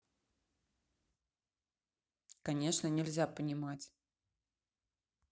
конечно нельзя понимать